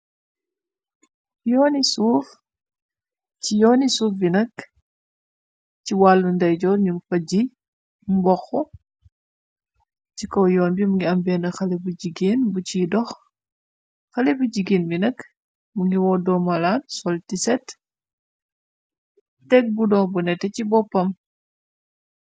Yooni suuf, ci yooni suuf bi nakk ci wàllu ndeyjoor ñum faj ji mbox, ci kaw yoon bi mu ngi ambeen xale bu jigéen bu ciy dox, xale bu jigéen bi nakk mu ngi woo doo malaan, sol tisat , teg bidox bu neté ci boppam.